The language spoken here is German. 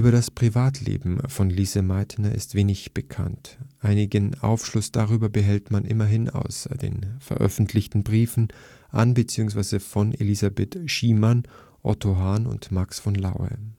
das Privatleben von Lise Meitner ist wenig bekannt, einigen Aufschluss darüber erhält man immerhin aus den veröffentlichten Briefen an bzw. von Elisabeth Schiemann, Otto Hahn und Max von Laue